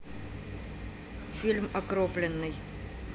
фильм окропленный